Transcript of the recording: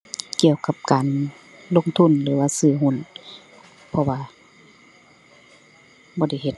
เกี่ยวกับการลงทุนหรือว่าซื้อหุ้น เพราะว่า บ่ได้เฮ็ด